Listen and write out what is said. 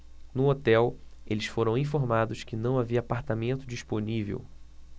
no hotel eles foram informados que não havia apartamento disponível